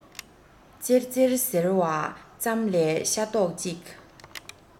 ཙེར ཙེར ཟེར བ ཙམ ལས ཤ རྡོག གཅིག